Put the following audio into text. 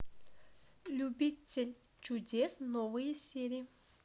любитель чудес новые серии